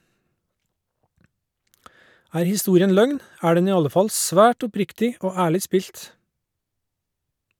Er historien løgn , er den i alle fall svært oppriktig og ærlig spilt.